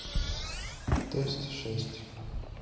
тест шесть